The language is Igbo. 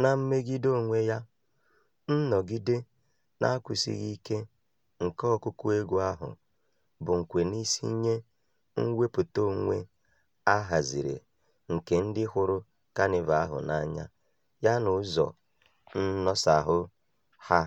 Na mmegide onwe ya, nnọgide na-akwụsighị ike nke ọkụkụ egwu ahụ bụ nkwenisi nye mwepụta onwe a haziri nke ndị hụrụ Kanịva ahụ n'anya yana ụzọ nnọsaahụ ha